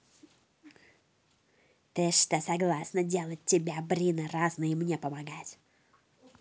ты что согласна делать тебя брина разные и мне помогать